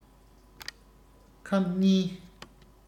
ཁམ གཉིས